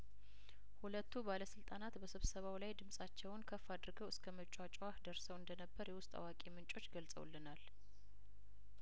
ሁለቱ ባለስልጣናት በስብሰባው ላይ ድምጻቸውን ከፍ አድርገው እስከ መጯጫህ ደርሰው እንደነበር የውስጥ አዋቂ ምንጮች ገልጸውልናል